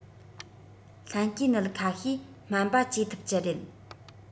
ལྷན སྐྱེས ནད ཁ ཤས སྨན པ བཅོས ཐུབ ཀྱི རེད